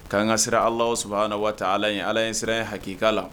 Kaan ka siran ala saba an waati taa ala ye ala in sera hakiliki' la